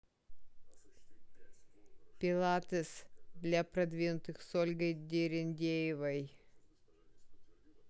пилатес для продвинутых с ольгой дерендеевой